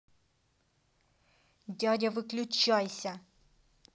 дядя выключайся